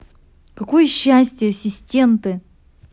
какое счастье ассистенты